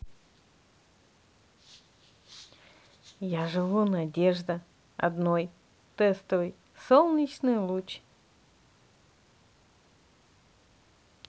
я живу надежда одной тестовый солнечный луч